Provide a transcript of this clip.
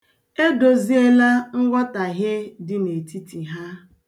Edoziela nghọtahie dị n'etiti ha.